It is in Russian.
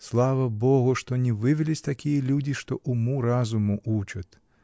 Слава Богу, что не вывелись такие люди, что уму-разуму учат!